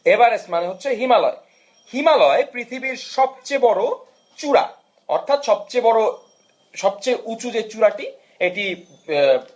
Everest মানে হচ্ছে হিমালয় হিমালয় পৃথিবীর সবচেয়ে বড় চুরা অর্থাৎ সবচেয়ে বড় অর্থাৎ সবচেয়ে বড় সবচেয়ে উঁচু যে চূড়াটি এটি